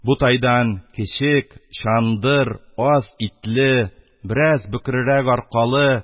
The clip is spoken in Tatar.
Бу тайдан кечек, чандыр, аз итле, бераз бөкрерәк аркалы,